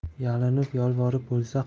yalinib yolvorib bo'lsa